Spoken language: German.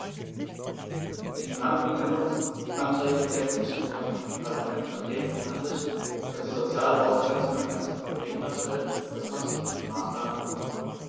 Die genannten Änderungsanträge decken sich mit der vom Parlament vertretenen Ansicht, dass die soziale Ausgrenzung ein ernstes Problem darstellt, das konstruktive Maßnahmen erfordert.